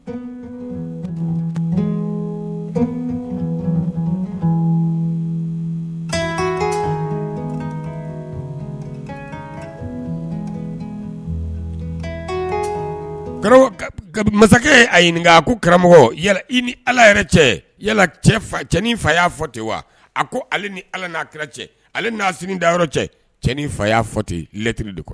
Masakɛ a ɲini a ko karamɔgɔ i ni ala yɛrɛ cɛ cɛin fa' fɔ ten wa a ko ale ni ala n'a kɛra cɛ ale n'a sini dayɔrɔ cɛ cɛin fa y'a fɔ ten lɛttiriri de kuwa